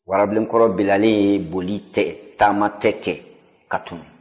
warabilenkɔrɔ bilalen ye boli tɛ taama tɛ kɛ ka tunun